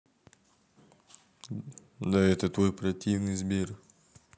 да это твой противный сбер